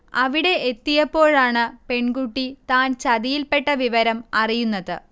അവിടെ എത്തിയപ്പോഴാണ് പെൺകുട്ടി താൻ ചതിയിൽപ്പെട്ട വിവരം അറിയുന്നത്